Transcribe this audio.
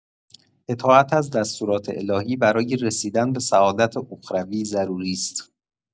اطاعت از دستورات الهی برای رسیدن به سعادت اخروی ضروری است.